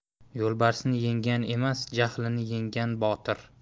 yo'lbarsni yenggan emas jahlni yenggan botir